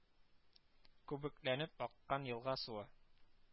Күбекләнеп аккан елга суы